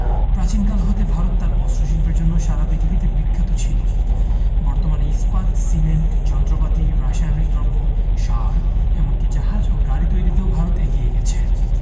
প্রাচীনকাল হতে ভারত তার বস্ত্রশিল্পের জন্য সারা পৃথিবীতে বিখ্যাত ছিল বর্তমানে ইস্পাত সিমেন্ট যন্ত্রপাতি রাসায়নিক দ্রব্য সার এমন কি জাহাজ ও গাড়ি তৈরিতেও ভারত এগিয়ে গেছে